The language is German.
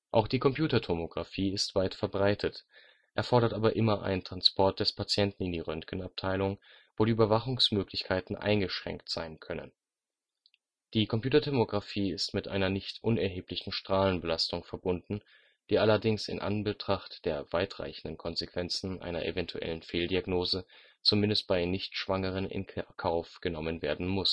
Auch die Computertomografie ist weit verbreitet, erfordert aber immer einen Transport des Patienten in die Röntgenabteilung, wo die Überwachungsmöglichkeiten eingeschränkt sein können. Die CT ist mit einer nicht unerheblichen Strahlenbelastung verbunden, die allerdings in Anbetracht der weitreichenden Konsequenzen einer evtl. Fehldiagnose zumindest bei Nicht-Schwangeren in Kauf genommen werden muss